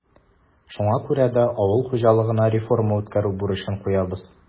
Шуңа күрә дә авыл хуҗалыгына реформа үткәрү бурычын куябыз.